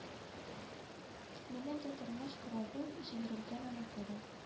Минем дә тормыш корабым җимерелгән аныкы да